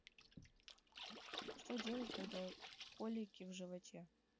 что делать когда колики в животе